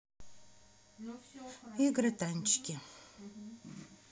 игры танчики